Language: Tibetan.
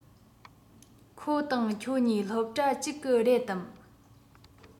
ཁོ དང ཁྱོད གཉིས སློབ གྲྭ གཅིག གི རེད དམ